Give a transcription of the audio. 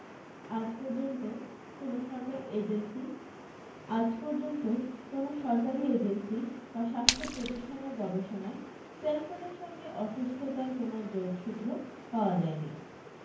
আজ পর্যন্ত কোনও সরকারী এজেন্সি আজ পর্যন্ত কোনও সরকারী এজেন্সি বা স্বাস্থ্য প্রতিষ্ঠানের গবেষণায় সেলফোনের সঙ্গে অসুস্থতার কোনও যোগসূত্র পাওয়া যায়নি